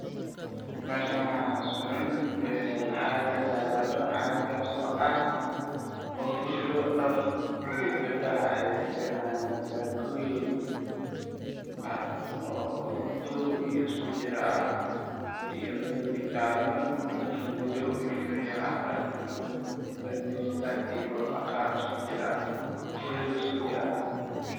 Meeshan waa carwo waxa iga muuqda dhar dumar oo meel saaran waana saakooyin buluug iyo cadan ah